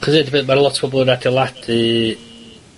'chos 'yd hefyd ma' lot bobol yn adeiladu